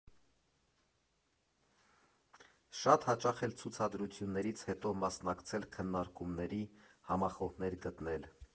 Շատ հաճախ էլ ցուցադրություններից հետո մասնակեցել քննարկումների, համախոհներ գտնել։